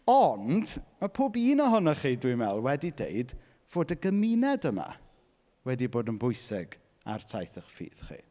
Ond ma' pob un ohonoch chi dwi'n meddwl wedi deud fod y gymuned yma wedi bod yn bwysig ar taith eich ffydd chi.